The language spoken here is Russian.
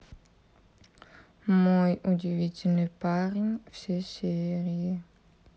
мой удивительный парень все серии